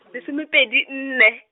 lesomepedi nne.